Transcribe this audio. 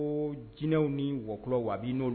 Koo jinɛw ni wɔkulɔw a b'i n'o